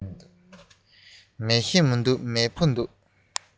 མེ ཤིང མི འདུག མེ ཕུ འདུག